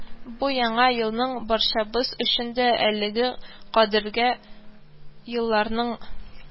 Бу яңа елның барчабыз өчен дә әлегә кадәрге елларның